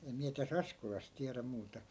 en minä tässä Askolassa tiedä muuta